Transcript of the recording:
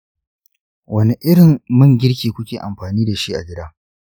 wane irin man girki kuke amfani da shi a gida?